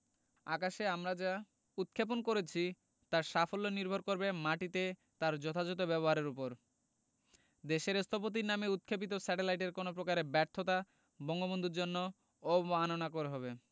আকাশে আমরা যা উৎক্ষেপণ করেছি তার সাফল্য নির্ভর করবে মাটিতে তার যথাযথ ব্যবহারের ওপর দেশের স্থপতির নামে উৎক্ষেপিত স্যাটেলাইটের কোনো প্রকারের ব্যর্থতা বঙ্গবন্ধুর জন্য অবমাননাকর হবে